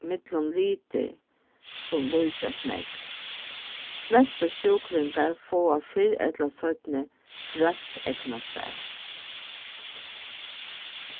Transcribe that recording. millum litir sum líkjast nógv flestu sjúklingar fáa fyrr ella seinni grønt eygnastar